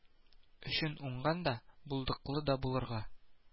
Өчен уңган да, булдыклы да булырга